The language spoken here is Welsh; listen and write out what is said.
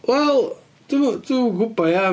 Wel, dwi dwi'm yn gwbod ia.